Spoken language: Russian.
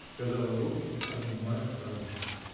— сказала гостья, обнимая старушку.